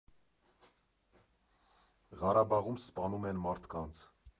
Ղարաբաղում սպանում են մարդկանց։